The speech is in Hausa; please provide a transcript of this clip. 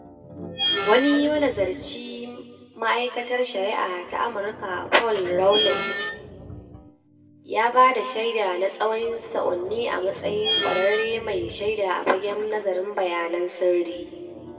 Wani manazarci ma'aikatar shari'a ta Amurka Paul Rowlett ya ba da shaida na tsawon sa'o'i a matsayin kwararre mai shaida a fagen nazarin bayanan sirri.